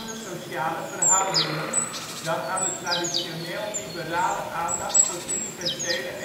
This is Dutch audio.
sociale verhoudingen, dan aan de traditioneel liberale aandacht voor universele